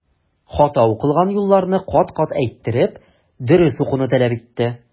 Хата укылган юлларны кат-кат әйттереп, дөрес укуны таләп итте.